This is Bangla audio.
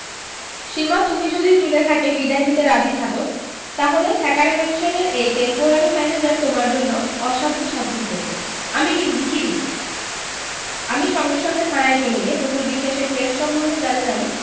সীমা তুমি যদি সুলেখাকে বিদায় দিতে রাজি থাকো তাহলে থ্যাকারে ম্যানসনের এই টেমপোরারি ম্যানেজার তোমার জন্য অসাধ্য সাধন করবে আমি কী ভিখিরি আমি সঙ্গে সঙ্গে থানায় চলে গিয়ে প্রতুল বিশ্বাসের কেস সম্বন্ধে যা যা জানি